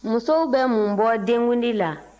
musow bɛ mun bɔ denkundi la